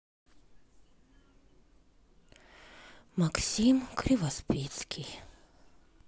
максим кривоспицкий